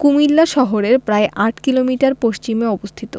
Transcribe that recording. কুমিল্লা শহরের প্রায় ৮ কিলোমিটার পশ্চিমে অবস্থিত